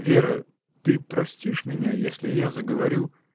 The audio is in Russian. — Вера, ты простишь меня, если я заговорю.